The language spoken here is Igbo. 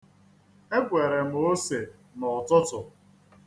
Egwere m ose n'ụtụtụ.